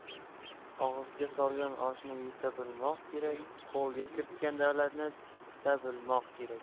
og'izga solgan oshni yuta bilmoq kerak qo'lga kiritgan davlatni tuta bilmoq kerak